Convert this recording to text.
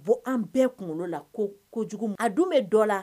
Bon an bɛɛ kunkolo la ko kojugu a dun bɛ dɔ la